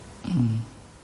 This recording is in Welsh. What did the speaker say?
Hmm.